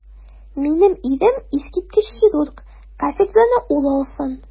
Минем ирем - искиткеч хирург, кафедраны ул алсын.